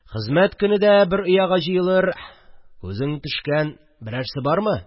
Хезмәт көне дә бер ояга җыелыр, Күзең төшкән берәрсе бармы